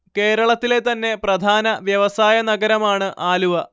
കേരളത്തിലെ തന്നെ പ്രധാന വ്യവസായ നഗരമാണ് ആലുവ